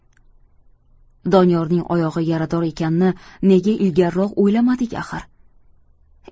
doniyorning oyog'i yarador ekanini nega ilgariroq o'ylamadik axir